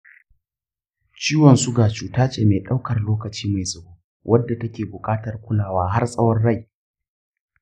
ciwon suga cuta ce mai ɗaukar lokaci mai tsawo wadda take buƙatar kulawa har tsawon rai.